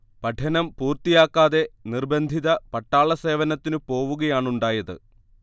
പഠനം പൂർത്തിയാക്കാതെ നിർബദ്ധിത പട്ടാള സേവനത്തിനു പോവുകയാണുണ്ടായത്